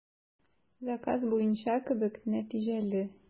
Заказ буенча кебек, нәтиҗәле.